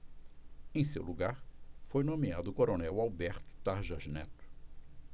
em seu lugar foi nomeado o coronel alberto tarjas neto